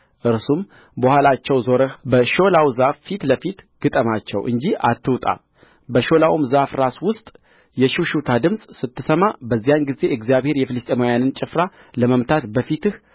እርሱም በኋላቸው ዞረህ በሾላው ዛፍ ፊት ለፊት ግጠማቸው እንጂ አትውጣ በሾላውም ዛፍ ራስ ውስጥ የሽውሽውታ ድምፅ ስትሰማ በዚያን ጊዜ እግዚአብሔር የፍልስጥኤማውያንን ጭፍራ ለመምታት በፊትህ